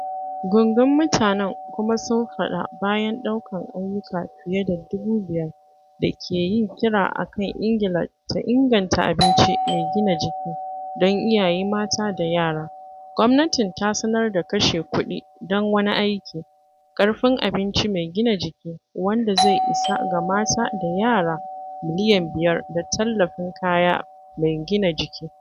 Gungun mutanen kuma sun faɗa bayan ɗaukan ayyuka fiye da 5,000 da ke yin kira a kan Ingila ta inganta abinci mai gina jiki don iyaye mata da yara, gwamnatin ta sanar da kashe kuɗi don wani aiki, Karfin Abinci Mai Gina Jiki, wanda zai isa ga mata da yara miliyan 5 da tallafin kaya mai gina jiki.